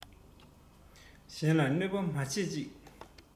གཞན ལ གནོད པ མ བྱེད ཅིག